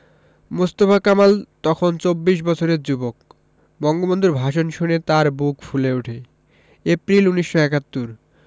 মোস্তফা কামাল তখন চব্বিশ বছরের যুবক বঙ্গবন্ধুর ভাষণ শুনে তাঁর বুক ফুলে ওঠে এপ্রিল ১৯৭১